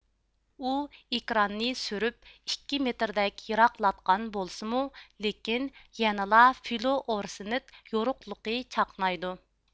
ئۇ ئېكراننى سۈرۈپ ئىككى مېتىردەك يىراقلاتقان بولسىمۇ لېكىن يەنىلا فلۇئورسېنت يورۇقلۇقى چاقنايدۇ